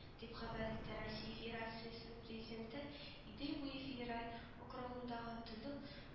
Дип хәбәр итә россия федерациясенең президенты идел буе федераль округындагы тулы